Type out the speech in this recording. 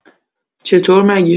چطور مگه؟